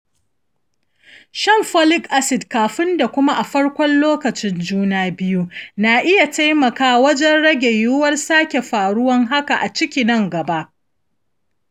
shan folic acid kafin da kuma a farkon lokacin juna biyu na iya taimaka wajen rage yiwuwar sake faruwar hakan a ciki na gaba.